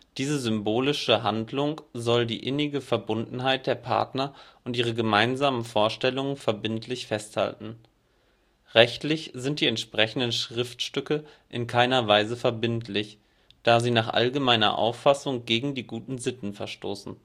Diese symbolische Handlung soll die innige Verbundenheit der Partner und ihre gemeinsamen Vorstellungen „ verbindlich “festhalten. Rechtlich sind die entsprechenden Schriftstücke in keiner Weise verbindlich, da sie nach allgemeiner Auffassung gegen die guten Sitten verstoßen